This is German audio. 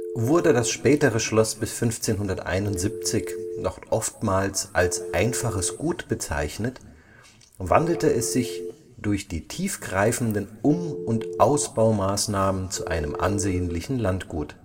Wurde das spätere Schloss bis 1571 noch oftmals als einfaches Gut bezeichnet, wandelte es sich durch die tiefgreifenden Um - und Ausbaumaßnahmen zu einem ansehnlichen Landgut